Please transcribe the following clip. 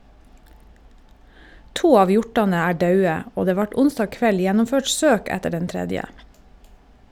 To av hjortane er daude, og det vart onsdag kveld gjennomført søk etter den tredje.